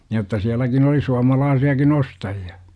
jotta sielläkin oli suomalaisiakin ostajia